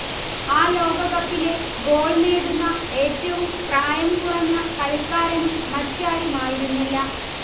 ആ ലോകകപ്പിലെ ഗോൾ നേടുന്ന ഏറ്റവും പ്രായം കുറഞ്ഞ കളിക്കാരനും മറ്റാരുമായിരുന്നില്ല